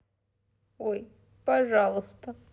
ой пожалуйста